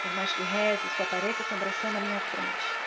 por mais que reze só aparece assombração na minha frente